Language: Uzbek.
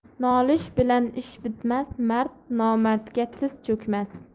nolish bilan ish bitmas mard nomardga tiz cho'kmas